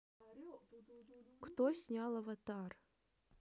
кто снял аватар